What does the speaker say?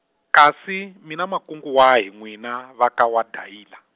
kasi mi na makungu wahi n'wina va ka waDayila?